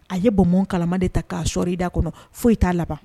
A ye bonbon kalama de ta k'a sɔɔri i da kɔnɔ fosi t'a laban.